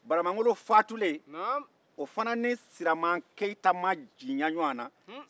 baramangolo faatulen o fana ni siraman keyita ma janya ɲɔgɔn na